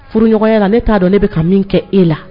Furuɲɔgɔnya la ne t'a dɔn ne bɛka ka min kɛ e la